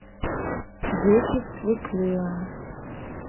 дети в свекле